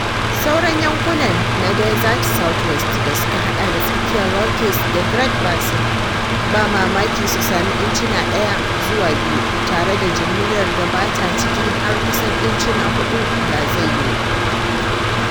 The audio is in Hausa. Sauran yankunan na Desert Southwest da suka hada da tsakiyar Rockies da Great Basin ba mamaki su sami incina 1 zuwa 2 tare da jimillar da ba ta ciki har kusan incina 4 da zai yiwu.